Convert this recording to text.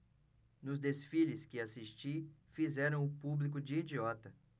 nos desfiles que assisti fizeram o público de idiota